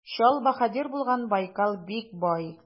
Чал баһадир булган Байкал бик бай.